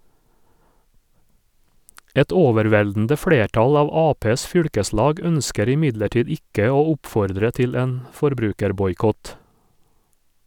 Et overveldende flertall av Aps fylkeslag ønsker imidlertid ikke å oppfordre til en forbrukerboikott.